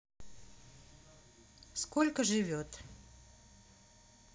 сколько живет